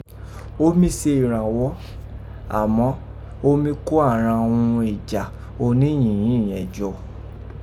Ó mí se ìrànwọ́, àmá o mí kó àghan urun ùjà oníyìnyín yẹ̀n jọ.